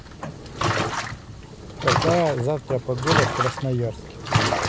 какая завтра погода в красноярске